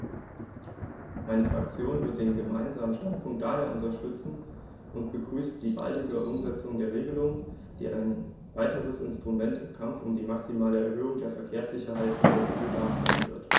Meine Fraktion wird den Gemeinsamen Standpunkt daher unterstützen und begrüßt die baldige Umsetzung der Regelung, die ein weiteres Instrument im Kampf um die maximale Erhöhung der Verkehrssicherheit in der EU darstellen wird.